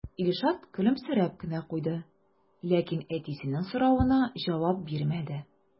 Илшат көлемсерәп кенә куйды, ләкин әтисенең соравына җавап бирмәде.